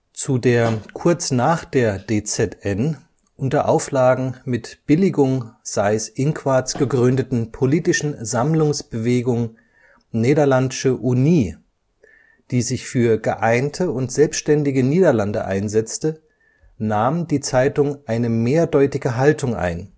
Zu der kurz nach der DZN (unter Auflagen mit Billigung Seyß-Inquarts) gegründeten politischen Sammlungsbewegung Nederlandsche Unie, die sich für geeinte und selbständige Niederlande einsetzte, nahm die Zeitung eine mehrdeutige Haltung ein